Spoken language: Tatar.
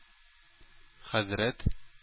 Хәзрәт